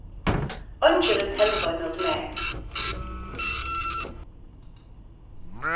eingin vil telva ímóti mær